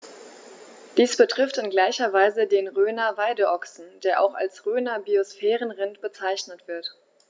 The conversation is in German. Dies betrifft in gleicher Weise den Rhöner Weideochsen, der auch als Rhöner Biosphärenrind bezeichnet wird.